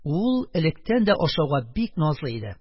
Ул электән дә ашауга бик назлы иде.